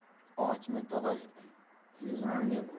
och men tog'o yingmen